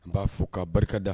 N ba fo ka barikada.